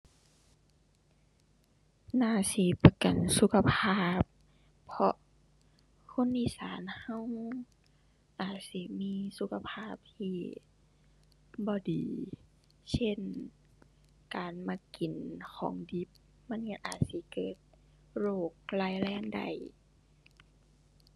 น่าสิประกันสุขภาพเพราะ คนอีสานเราอาจสิมีสุขภาพที่บ่ดี เช่นการมักกินของดิบ มันเราอาจสิเกิดโรคร้ายแรงได้